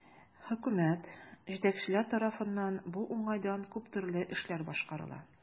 Хөкүмәт, җитәкчеләр тарафыннан бу уңайдан күп төрле эшләр башкарыла.